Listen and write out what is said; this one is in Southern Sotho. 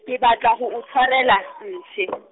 ke batla ho o tshwarela, mpshe.